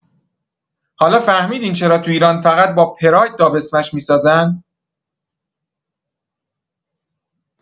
حالا فهمیدین چرا تو ایران فقط با پراید دابسمش می‌سازن؟